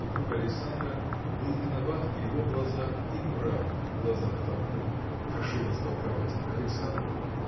что друг Александра был виноват в его глазах и прав в глазах толпы. Прошу растолковать это Александру!